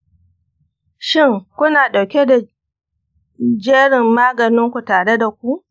shin, kuna ɗauke da jerin maganin ku tare da ku?